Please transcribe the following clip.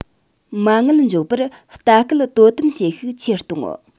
མ དངུལ འཇོག པར ལྟ སྐུལ དོ དམ བྱེད ཤུགས ཆེར གཏོང